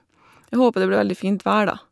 Jeg håper det blir veldig fint vær, da.